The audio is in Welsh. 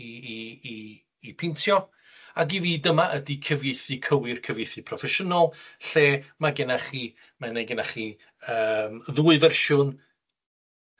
'i 'i 'i 'i peintio ag i fi dyma ydi cyfieithu cywir cyfieithu proffesiynol lle ma' gennach chi mae 'ne gennach chi yym ddwy fersiwn